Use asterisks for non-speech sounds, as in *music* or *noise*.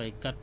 *hesitation* *hesitation*